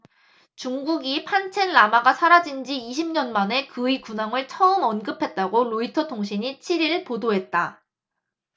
중국이 판첸 라마가 사라진 지 이십 년 만에 그의 근황을 처음 언급했다고 로이터통신이 칠 일 보도했다